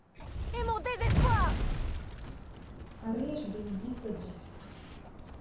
орешь да иди садись